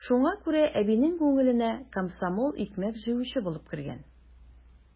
Шуңа күрә әбинең күңеленә комсомол икмәк җыючы булып кергән.